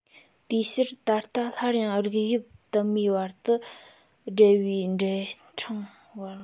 དེའི ཕྱིར ད ལྟ སླར ཡང རིགས དབྱིབས དུ མའི བར དུ སྦྲེལ བའི འབྲེལ ཕྲེང བར མ ཞིག རྙེད རྒྱུར རེ བ མེད